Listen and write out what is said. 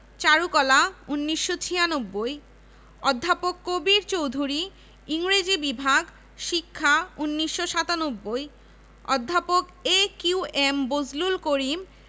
উনসত্তুরের গণঅভ্যুত্থান প্রাধান্য পেয়েছে এ ভাস্কর্যে এ ছাড়াও ঢাকা বিশ্ববিদ্যালয় ক্যাম্পাসে রয়েছে ঢাকা বিশ্ববিদ্যালয়ে সন্ত্রাসবিরোধী আন্দোলনে